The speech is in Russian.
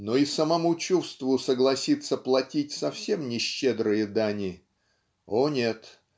но и самому чувству согласится платить совсем не щедрые дани. О нет